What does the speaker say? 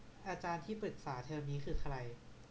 อาจารย์ที่ปรึกษาเทอมนี้คือใคร